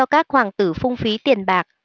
các hoàng tử phung phí tiền bạc